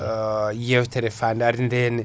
yewtere fadare nde henna